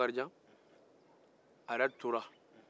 bakarijan yɛrɛ tora